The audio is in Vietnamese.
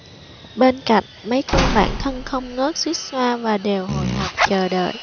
bên cạnh mấy cô bạn thân không ngớt xuýt xoa và đều hồi hộp chờ đợi